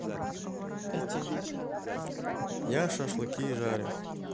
я шашлыки зарю